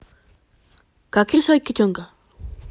как рисовать котенка